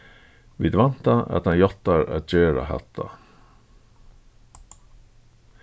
vit vænta at hann játtar at gera hatta